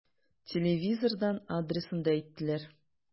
Телевизордан адресын да әйттеләр.